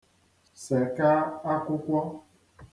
sèka akwụkwọ